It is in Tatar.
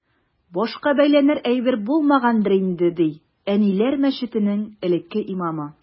Башка бәйләнер әйбер булмагангадыр инде, ди “Әниләр” мәчетенең элекке имамы.